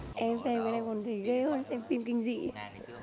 em xem cái này còn thì ghê hơn cả xem phim kinh dị